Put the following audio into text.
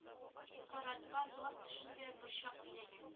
Карадылар бар төшен дә борчак биләгән